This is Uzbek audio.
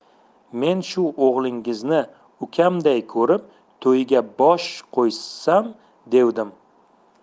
men shu o'g'lingizni ukamday ko'rib to'yiga bosh qo'shsam devdim